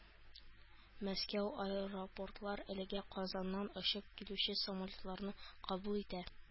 Мәскәү аэропортлары әлегә Казаннан очып килүче самолетларны кабул итә